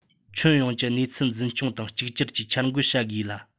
ཁྱོན ཡོངས ཀྱི གནས ཚུལ འཛིན སྐྱོང དང གཅིག གྱུར གྱིས འཆར འགོད བྱ དགོས ལ